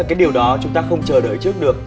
cái điều đó chúng ta không chờ đợi trước được